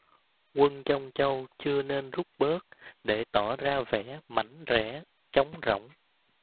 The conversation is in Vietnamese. quân trong châu chưa nên rút bớt để tỏ ra vẻ mảnh rẻ trống rỗng